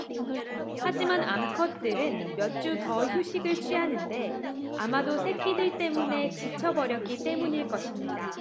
하지만 암컷들은 몇 주 더 휴식을 취하는데 아마도 새끼들 때문에 지쳐 버렸기 때문일 것입니다